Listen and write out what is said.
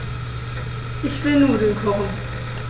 Ich will Nudeln kochen.